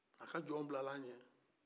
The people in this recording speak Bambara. a ka jɔnw bilala a ɲɛ